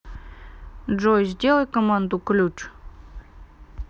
джой сделай команду ключ